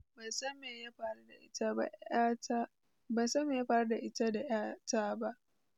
Ban san mai ya faru da ita da ‘ya ta ba.